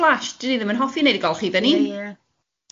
flash, 'dan ni ddim yn hoffi 'neud y golchi fyny.